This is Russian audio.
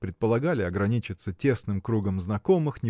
предполагали ограничиться тесным кругом знакомых